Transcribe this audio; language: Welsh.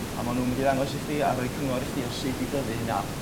a ma' nw'n mynd i ddangos i chdi a rhoi cyngor i chdi o sud i dyfu 'yna.